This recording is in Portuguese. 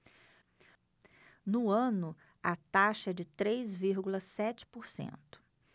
no ano a taxa é de três vírgula sete por cento